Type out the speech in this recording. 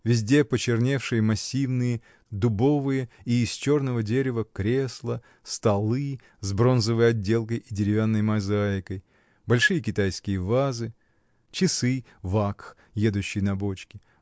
Везде почерневшие, массивные, дубовые и из черного дерева кресла, столы, с бронзовой отделкой и деревянной мозаикой большие китайские вазы часы — Вакх, едущий на бочке